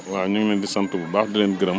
waaw ñu ngi leen di sant bu baax di leen gërëm